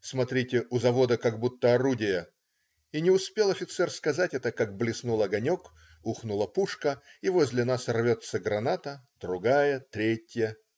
Смотрите, у завода как будто орудия",- и не успел офицер сказать это, как блеснул огонек, ухнула пушка и возле нас рвется граната, другая, третья.